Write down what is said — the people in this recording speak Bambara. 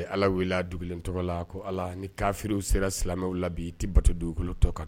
Ala wulila dugulen tɔgɔ la ko ala ni kafiriw sera silamɛmɛw la bi i tɛ bato dugukolotɔ kan